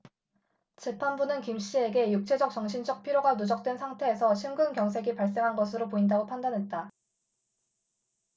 재판부는 김씨에게 육체적 정신적 피로가 누적된 상태에서 심근경색이 발생한 것으로 보인다고 판단했다